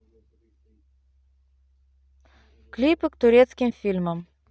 клипы к турецким фильмам